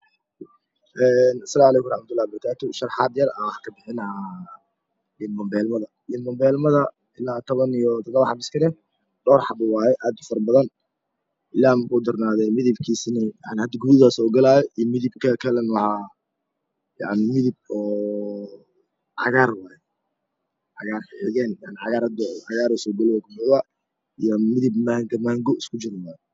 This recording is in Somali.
Asalaaymu calaykum waraxmatulaah wabarakaru een sharaxaad yar aa waxa kabixinaa liin babeelmada liin babeelmada ila 17 xabo is ka dheh dhow xabo waye aad ufaro badan ilaahay makuu darnaade midabkiisana hada gaduud aa soo galaayo iyo midabka kale waa yacni midab oo cagaar waaye cagaar xigeenka cagar hada soo galooyo iyo midab maango maango isku jira waye